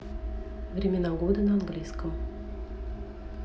времена года на английском